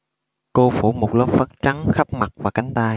cô phủ một lớp phấn trắng khắp mặt và cánh tay